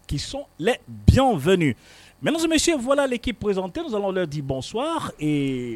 Qui sont les bienvenus, mesdames et messieurs voilà l'équipe présentée nous allons leur dire bonsoir et